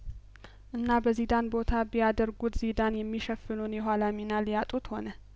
እና በዚዳን ቦታ ቢያደርጉት ዚዳን የሚሸፍነውን የኋላ ሚና ሊያጡት ሆነ